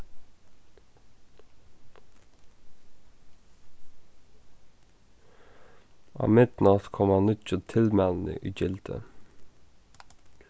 á midnátt koma nýggju tilmælini í gildi